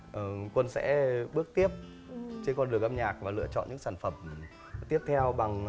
quân sẽ bước tiếp trên con đường âm nhạc và lựa chọn những sản phẩm tiếp theo bằng